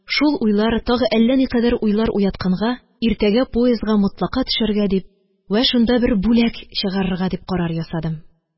Шул уйлар тагы әллә никадәр уйлар уятканга, иртәгә поездга мотлака төшәргә дип вә шунда бер бүләк чыгарырга дип карар ясадым.